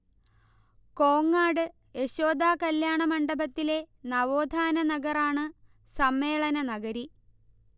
കോങ്ങാട് യശോദ കല്യാണമണ്ഡപത്തിലെ നവോത്ഥാന നഗറാണ് സമ്മേള നനഗരി